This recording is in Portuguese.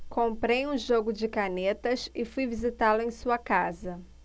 comprei um jogo de canetas e fui visitá-lo em sua casa